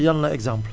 yan la exemple